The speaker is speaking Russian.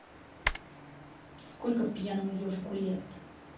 сколько пьяному ежику лет